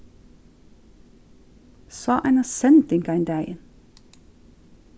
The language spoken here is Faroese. sá eina sending ein dagin